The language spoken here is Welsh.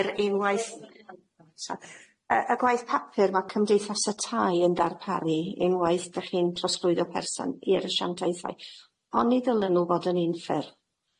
Yr unwaith... Yy y gwaith papur ma' cymdeithas y tai yn darparu unwaith dych chi'n trosglwyddo person i'r asiantaethau. Oni ddylen nw fod yn unffur?